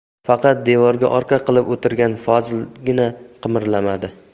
faqat devorga orqa qilib o'tirgan fozilgina qimirlamadi